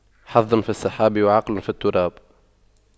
حظ في السحاب وعقل في التراب